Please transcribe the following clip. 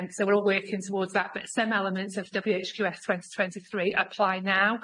Yym so we're all working towards that but some elements of W H Q S twenty twenty three apply now.